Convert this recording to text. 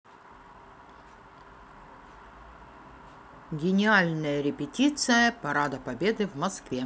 генеральная репетиция парада победы в москве